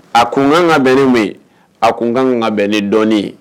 A kun' kan ka bere bɛ a tun ka kan ka bɛn ni dɔɔnin